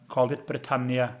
*Called it Britannia."